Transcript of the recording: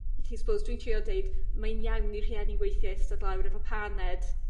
spose dwi'n trio deud mae'n iawn i rhieni weithie eistedd lawr efo paned